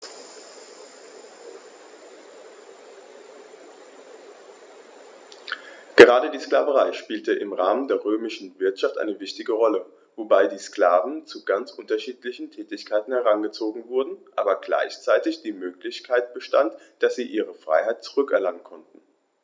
Gerade die Sklaverei spielte im Rahmen der römischen Wirtschaft eine wichtige Rolle, wobei die Sklaven zu ganz unterschiedlichen Tätigkeiten herangezogen wurden, aber gleichzeitig die Möglichkeit bestand, dass sie ihre Freiheit zurück erlangen konnten.